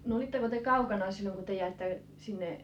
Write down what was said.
no olitteko te kaukana silloin kun te jäitte sinne